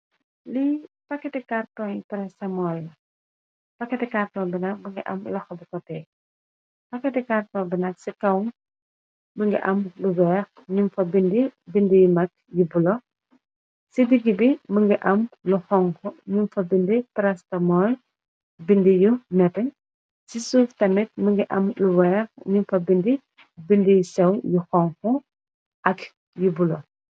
Lii pakketi carton yu paracetamol la pakketi carton bi nag mu ngi am loho bu ko tèeh. pakketi carton bi nag ci kaw më ngi am lu weex nu ngi fa bindi, bindi yu mag yu bulo. Ci digi bi më ngi am lu honku nung fa bindi paracetamol bindi yu nete. Ci suf tamit më ngi am lu weex nung fa bindi bindi yu sew yu honku ak yu bulo